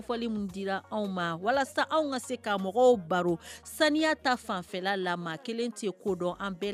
Fɔli minnu di anw ma walasa anw ka se k' mɔgɔw baro saniya ta fanfɛlalama kelen tɛ kodɔn an bɛɛ